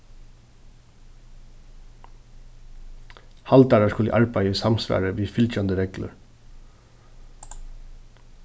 haldarar skulu arbeiða í samsvari við fylgjandi reglur